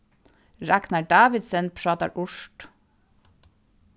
ragnar davidsen prátar írskt